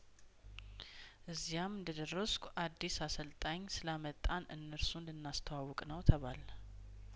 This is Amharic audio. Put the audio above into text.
እዚያም እንደደረስኩ አዲስ አሰልጣኝ ስላመጣን እነርሱን ልና ስተዋውቅ ነው ተባልን